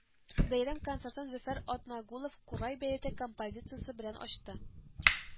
Бәйрәм концертын Зөфәр Атнагулов Курай бәете композициясе белән ачты